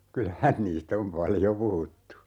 kyllähän niistä on paljon puhuttu